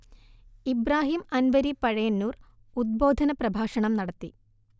ഇബ്രാഹിം അൻവരി പഴയന്നൂർ ഉദ്ബോധന പ്രഭാഷണം നടത്തി